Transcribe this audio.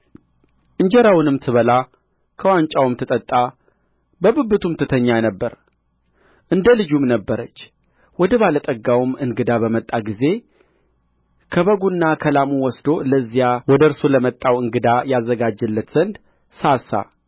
እንጀራውንም ትበላ ከዋንጫውም ትጠጣ በብብቱም ትተኛ ነበር እንደ ልጁም ነበረች ወደ ባለጠጋውም እንግዳ በመጣ ጊዜ ከበጉና ከላሙ ወስዶ ለዚያ ወደ እርሱ ለመጣው እንግዳ ያዘጋጅለት ዘንድ ሳሳ